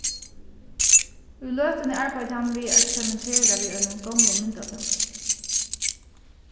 í løtuni arbeiddi hann við at eksperimentera við einum gomlum myndatóli